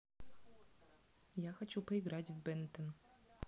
я хочу поиграть в бентен